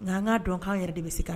Nka'an ka dɔn anw yɛrɛ de bɛ se kan